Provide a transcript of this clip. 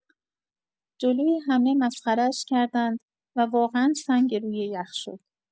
جلوی همه مسخره‌اش کردند و واقعا سنگ روی یخ شد.